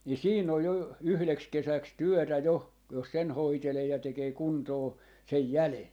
niin siinä on jo yhdeksi kesäksi työtä jo jos sen hoitelee ja tekee kuntoon sen jäljen